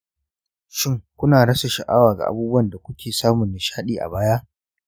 shin ku na rasa sha'awa ga abubuwan da kuke samun nishaɗi a baya?